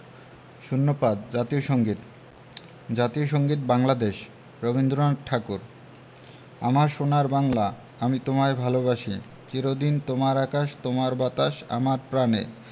০৫ জাতীয় সংগীত জাতীয় সংগীত বাংলাদেশ রবীন্দ্রনাথ ঠাকুর আমার সোনার বাংলা আমি তোমায় ভালোবাসি চির দিন তোমার আকাশ তোমার বাতাস আমার প্রাণে